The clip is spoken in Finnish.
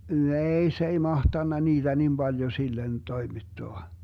nej se ei mahtanut niitä niin paljon sille toimittaa